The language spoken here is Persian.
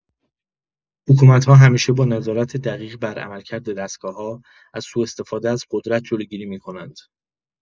حکومت‌ها همیشه با نظارت دقیق بر عملکرد دستگاه‌ها، از سوء‌استفاده از قدرت جلوگیری می‌کنند.